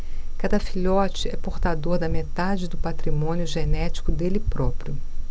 cada filhote é portador da metade do patrimônio genético dele próprio